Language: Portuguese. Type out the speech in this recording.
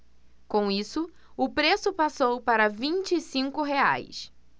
com isso o preço passou para vinte e cinco reais